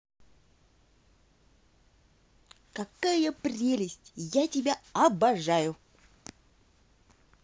какая прелесть я тебя обожаю